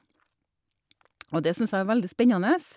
Og det syns jeg er veldig spennende.